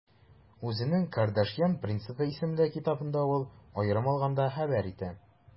Үзенең «Кардашьян принципы» исемле китабында ул, аерым алганда, хәбәр итә: